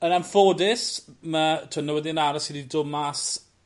yn anffodus ma' t'wo' newyddion arall sy 'di do' mas